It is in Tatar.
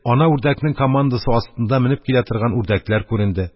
Ана үрдәкнең командасы астында менеп килә торган үрдәкләр күренде.